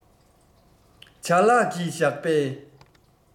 བྱ གླག གིས བཞག པའི